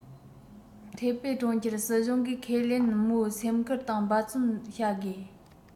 ཐའེ པེ གྲོང ཁྱེར སྲིད གཞུང གིས ཁས ལེན མོའི སེམས ཁུར དང འབད བརྩོན བྱ དགོས